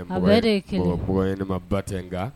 Ne ma ba tɛ n nka